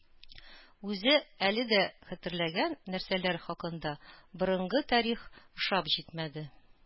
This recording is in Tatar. Үзе әле дә хәтерләгән нәрсәләр хакында борынгы тарих ошап җитмәде